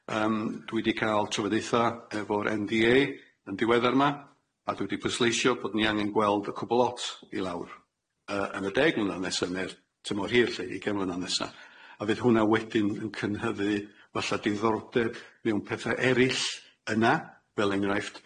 Yym dwi di ca'l trafodaetha efo'r En Vee Ay yn diweddar ma' a dwi di pwysleisio bod ni angen gweld y cwpwl lot i lawr yy yn y deg mlynedd nesa ne'r tymor hir 'lly ugain mlynedd nesa a fydd hwnna wedyn yn cynhyddu falla diddordeb mewn pethe erill yna fel enghraifft.